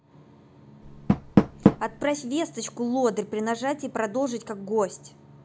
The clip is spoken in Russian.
отправь весточку лодырь при нажатии продолжить как гость